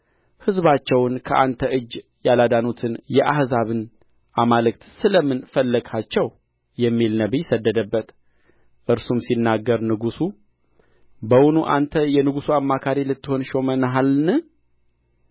ሕዝባቸውን ከአንተ እጅ ያላዳኑትን የአሕዛብን አማልክት ስለ ምን ፈለግሃቸው የሚል ነቢይ ሰደደበት እርሱም ሲናገር ንጉሡ በውኑ አንተ የንጉሡ አማካሪ ልትሆን ሾመነሃልን